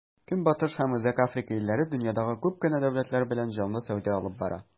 Көнбатыш һәм Үзәк Африка илләре дөньядагы күп кенә дәүләтләр белән җанлы сәүдә алып бара.